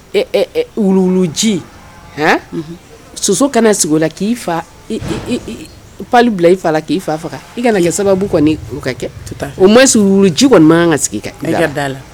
Ɛɛ ɛɛ wuluwluji, han! Unhun! Soso kana sigi o la k'i fa i i, palu bila i fa la k'i fa faga. i kana kɛ sababu kɔnni ye o ka kɛ. Tout à fait . Au moins wuluwuliji kɔnni mankan ka sigi . I ka da la.